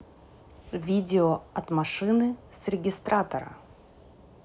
видео от машины с регистратора